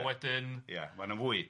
a wedyn ia ma' na fwy.